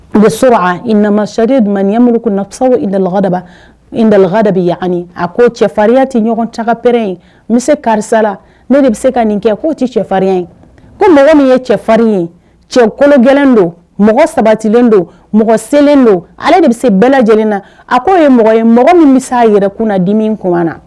O sɔrɔmasasadi ma yamurusa da daba da de bɛ a ko cɛfa farinya tɛ ɲɔgɔn camankapɛ ye n bɛ se karisa la ne de bɛ se ka nin kɛ k'o tɛ cɛfarin ye ko mɔgɔ min ye cɛfarin ye cɛkologɛ don mɔgɔ sabatilen don mɔgɔ selen don ale de bɛ se bɛɛ lajɛlen na a k'o ye mɔgɔ ye mɔgɔ min bɛ se' a yɛrɛkun na dimi kun na